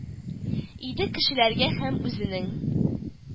Иде, кешеләргә һәм үзенең